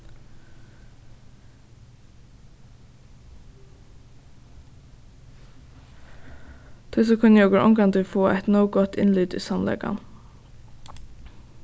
tí so kunnu okur ongantíð fáa eitt nóg gott innlit í sannleikan